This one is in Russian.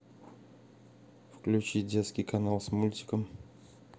включи детский канал с мультиком